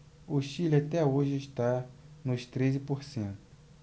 o chile até hoje está nos treze por cento